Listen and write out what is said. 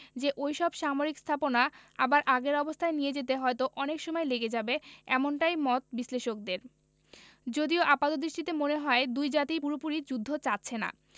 যে ওই সব সামরিক স্থাপনা আবার আগের অবস্থায় নিয়ে যেতে হয়তো অনেক সময় লেগে যাবে এমনটাই মত বিশ্লেষকদের যদিও আপাতদৃষ্টিতে মনে হয় দুই জাতিই পুরোপুরি যুদ্ধ চাচ্ছে না